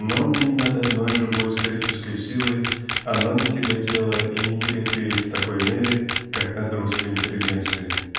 Но ни над одной живой исторической силой оно не тяготело и не тяготеет в такой мере как над русской интеллигенцией.